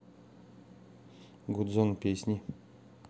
гудзон песни